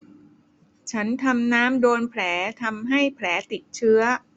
ฉันทำน้ำโดนแผลทำให้แผลติดเชื้อ